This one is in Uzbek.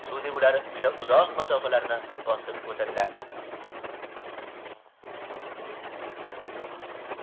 suv deb ular juda uzoq masofalarni bosib o'tadilar